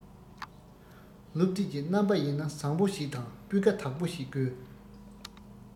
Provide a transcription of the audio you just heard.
སློབ དེབ ཀྱི རྣམ པ ཡིན ན བཟང བོ ཞིག དང སྤུས ཀ དག པོ ཞིག དགོས